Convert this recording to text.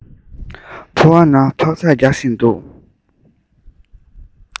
ཕོ བ ན འཕག འཚག རྒྱག བཞིན འདུག